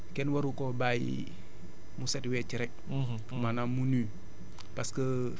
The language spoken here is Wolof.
mais tamit xam nga suuf moom kenn waru koo bàyyi mu set wecc rek